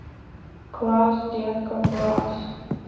класс детка класс